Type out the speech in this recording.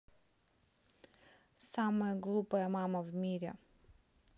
самая глупая мама в мире